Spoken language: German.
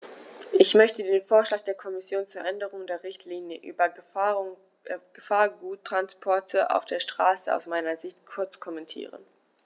Ich möchte den Vorschlag der Kommission zur Änderung der Richtlinie über Gefahrguttransporte auf der Straße aus meiner Sicht kurz kommentieren.